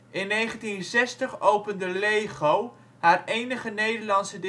In 1960 opende LEGO haar enige Nederlandse